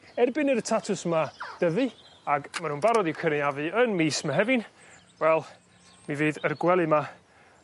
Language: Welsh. Erbyn i'r tatws 'ma dyfi ag ma' nw'n barod i'w cynaeafu yn mis mehefin wel mi fydd Yr gwely 'ma